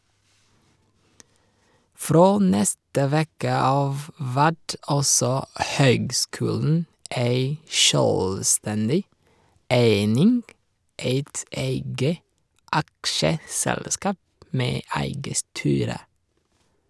Frå neste veke av vert altså høgskulen ei sjølvstendig eining, eit eige aksjeselskap med eige styre.